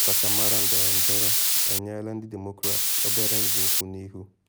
Ndị ọkachamara ndọrọndọrọ enyela ndị Demọkrats obere nzọụkwụ n’ihu.